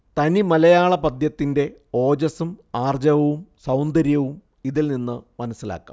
തനിമലയാള പദ്യത്തിന്റെ ഓജസ്സും ആർജവവും സൗന്ദര്യവും ഇതിൽനിന്നു മനസ്സിലാക്കാം